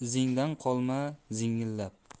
izingdan qolmas zingillab